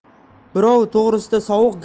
birov to'g risida sovuq